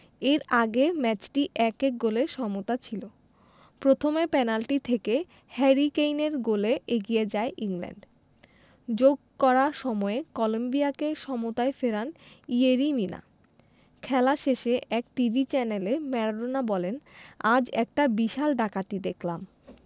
এর আগে ম্যাচটি ১ ১ গোলে সমতা ছিল প্রথমে পেনাল্টি থেকে হ্যারি কেইনের গোলে এগিয়ে যায় ইংল্যান্ড যোগ করা সময়ে কলম্বিয়াকে সমতায় ফেরান ইয়েরি মিনা খেলা শেষে এক টিভি চ্যানেলে ম্যারাডোনা বলেন আজ একটা বিশাল ডাকাতি দেখলাম